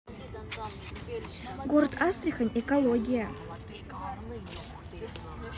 город астрахань экология